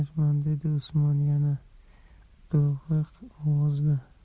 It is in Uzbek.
usmon yana bo'g'iq ovozda